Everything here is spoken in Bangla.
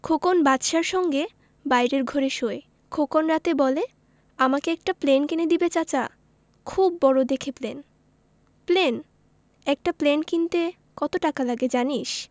খোকন বাদশার সঙ্গে বাইরের ঘরে শোয় খোকন রাতে বলে আমাকে একটা প্লেন কিনে দিবে চাচা খুব বড় দেখে প্লেন প্লেন একটা প্লেন কিনতে কত টাকা লাগে জানিস